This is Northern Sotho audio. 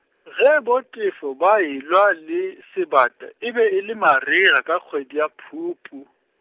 ge BoTefo ba e lwa le sebata, e be e le marega ka kgwedi ya Phupu.